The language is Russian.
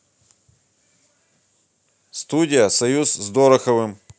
студия союз с дороховым